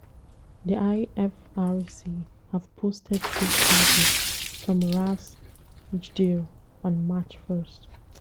The IFRC have posted this video from Ras Jdir on March 1.